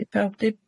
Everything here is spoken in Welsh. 'Di pawb 'di